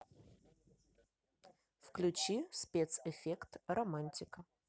включи спецэффект романтика